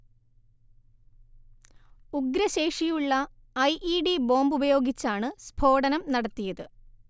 ഉഗ്രശേഷിയുള്ള I E D ബോംബുപയോഗിച്ചാണ് സ്ഫോടനം നടത്തിയത്